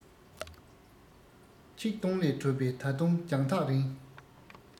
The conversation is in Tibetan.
ཁྱེད གདོང ལས གྲུབ པའི ད དུང རྒྱང ཐག རིང